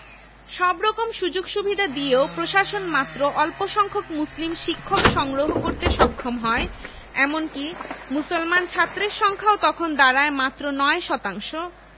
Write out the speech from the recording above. বিজ্ঞানী এস.এন বোস অধ্যাপক আবদুস সালাম অধ্যাপক অমর্ত্য সেন আধুনিক মালয়েশিয়ার রূপকার মাহাথির মোহাম্মদ অধ্যাপক মুহম্মদ ইউনুস প্রমুখ